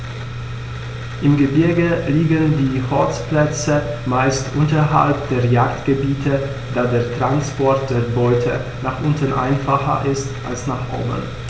Im Gebirge liegen die Horstplätze meist unterhalb der Jagdgebiete, da der Transport der Beute nach unten einfacher ist als nach oben.